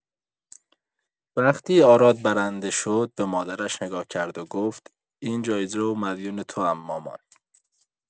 وقتی آراد برنده شد، به مادرش نگاه کرد و گفت: «این جایزه رو مدیون توام، مامان!»